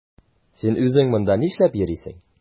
Син үзең монда нишләп йөрисең?